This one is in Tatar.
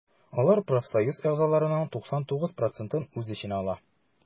Алар профсоюз әгъзаларының 99 процентын үз эченә ала.